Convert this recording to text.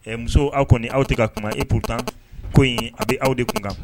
Ɛɛ muso aw kɔni aw tigɛ ka kuma epu tan ko in a bɛ aw de kun kan